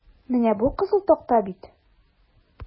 Менә бу кызыл такта бит?